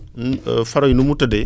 faro yi ni mu tëddee